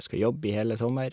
Skal jobbe i hele sommer.